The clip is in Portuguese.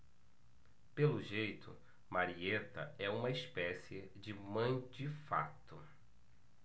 pelo jeito marieta é uma espécie de mãe de fato